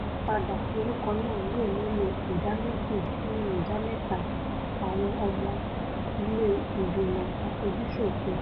Ìyípadà orúkọ náà yóò nílò ìdá méjì nínú ìdá mẹ́ta àwọn ọmọ ilé ìgbìmọ aṣojú-ṣòfin.